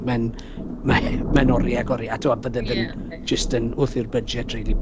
Mae'n mae'n mae'n oriau ag oriau a tibod a fydde fe'n... ie. ...jyst yn wythu'r budget rili